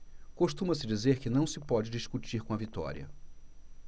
costuma-se dizer que não se pode discutir com a vitória